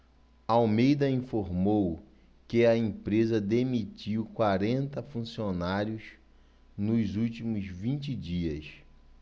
almeida informou que a empresa demitiu quarenta funcionários nos últimos vinte dias